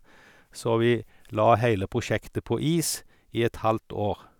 Så vi la heile prosjektet på is i et halvt år.